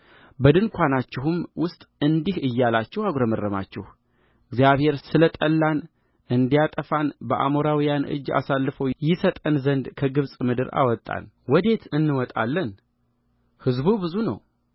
በድንኳናችሁም ውስጥ እንዲህ እያላችሁ አጕረመረማችሁ እግዚአብሔር ስለ ጠላን እንዲያጠፋን በአሞራውያን አጅ አሳልፎ ይሰጠን ዘንድ ከግብፅ ምድር አወጣንወዴት እንወጣለን ሕዝቡ ብዙ ነው